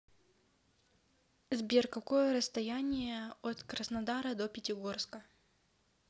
сбер какое расстояние от краснодара до пятигорска